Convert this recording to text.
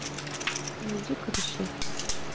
найди карусель